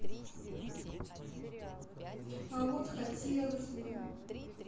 а вот хотелось бы